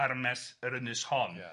Armes yr ynys hon ia.